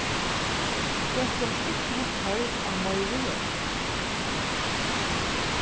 eg skuldi ikki havt tørv á meiri hjálp